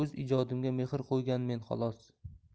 o'z ijodimga mehr qo'yganmen xolos